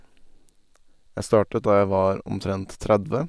Jeg startet da jeg var omtrent tredve.